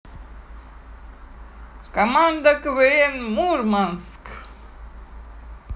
команда квн мурманск